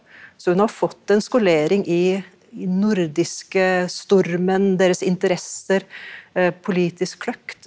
så hun har fått en skolering i i nordiske stormenn, deres interesser, politisk kløkt.